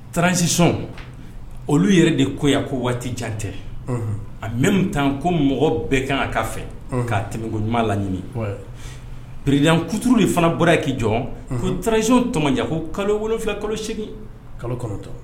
Trensi olu yɛrɛ de ko yan ko waati jan tɛ a bɛ tan ko mɔgɔ bɛɛ kan kan fɛ k'a tɛmɛkouma laɲini pered kutuuru de fana bɔra ye k'i jɔ ko trenzsion tɔmɔdiya ko kalo wolon wolonwula kalo segin kalotɔ